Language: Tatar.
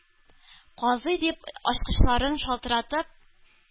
Казый!..-дип, ачкычларын шалтыратып,